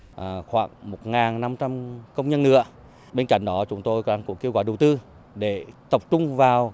ờ khoảng một ngàn năm trăm công nhân nữa bên cạnh đó chúng tôi toàn bộ kêu gọi đầu tư để tập trung vào